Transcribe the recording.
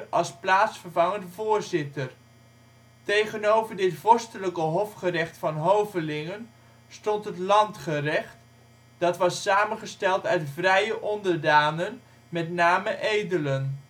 als plaatsvervangend voorzitter. Tegenover dit vorstelijke hofgerecht van hovelingen stond het landgerecht (Landgericht), dat was samengesteld uit vrije onderdanen, met name edelen